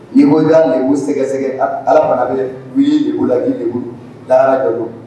Ni bɔra y'a nin ko sɛgɛsɛgɛ ala fana bɛ u' de o la' de bolo da ja